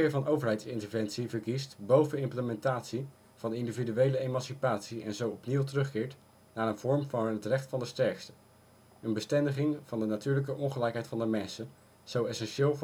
van overheidsinterventie verkiest boven implementatie van individuele emancipatie en zo opnieuw terugkeert naar een vorm van recht van de sterkste, een bestendiging van de natuurlijke ongelijkheid van de mensen, zo essentieel